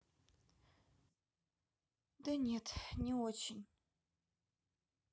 да нет не очень